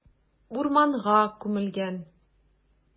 Урманга күмелгән.